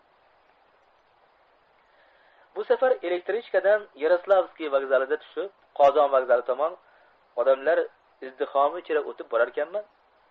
bu safar elektrichkadan yaroslavskiy vokzalida tushib qozon vokzali tomon odamlar izdihomi ichra o'tib borarkanman